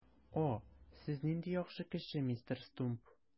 О, сез нинди яхшы кеше, мистер Стумп!